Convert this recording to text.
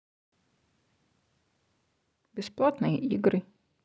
бесплатные игры